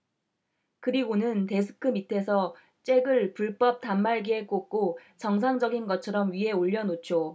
그리고는 데스크 밑에서 잭을 불법 단말기에 꽂고 정상적인 것처럼 위에 올려놓죠